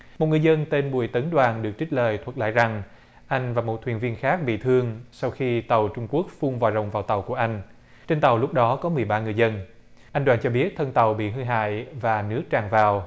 một ngư dân tên bùi tấn đoàn được trích lời thuật lại rằng anh và một thuyền viên khác bị thương sau khi tàu trung quốc phun vòi rồng vào tàu của anh trên tàu lúc đó có mười ba người dân anh đoàn cho biết thân tàu bị hư hại và nước tràn vào